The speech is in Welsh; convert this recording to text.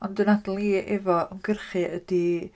Ond 'y nadl i efo ymgyrchu ydy...